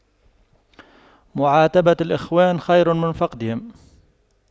معاتبة الإخوان خير من فقدهم